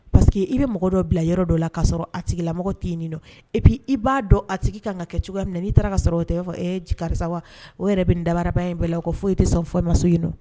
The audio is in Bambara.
Pariseke que i bɛ mɔgɔ dɔ bila yɔrɔ dɔ la k kasɔrɔ sɔrɔ a tigi la mɔgɔ t yen nin donpi i b'a dɔn a tigi ka kan ka kɛ cogo min na'i taara ka sɔrɔ o tɛ fɔ karisa wa o yɛrɛ bɛ dabaabaraba in bɛɛ la foyi e tɛ sɔn fɔ ma so in don